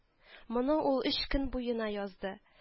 — моны ул өч көн буена язды